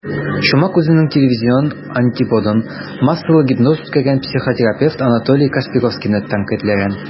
Чумак үзенең телевизион антиподын - массалы гипноз үткәргән психотерапевт Анатолий Кашпировскийны тәнкыйтьләгән.